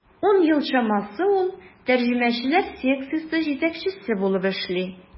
Ун ел чамасы ул тәрҗемәчеләр секциясе җитәкчесе булып эшли.